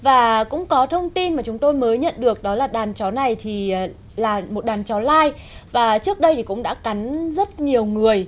và cũng có thông tin mà chúng tôi mới nhận được đó là đàn chó này thì là một đàn chó lai và trước đây thì cũng đã cắn rất nhiều người